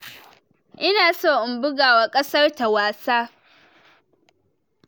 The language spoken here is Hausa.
"Ina so in buga wa kasarta wasa.